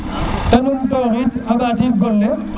a num to xiit aɓa tid gon le